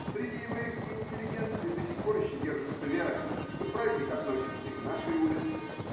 среди еврейской интеллигенции до сих пор еще держится вера, что праздник относится и к нашей улице